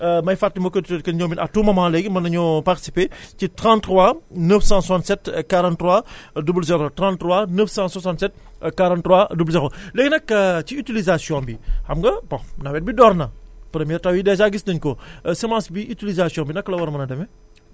may fàttali mbokki auditeurs yi que ñoom it à tout moment léegi mën nañoo participer ci 33 967 43 00 33 967 43 00 léegi nag ci utilisation bi xam nga bon nawet bi door na premières taw yi dèjà gis nañ ko semence bi utilisation bi naka la war a mën a demee